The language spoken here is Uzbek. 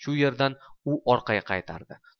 shu yerdan u orqaga qaytardi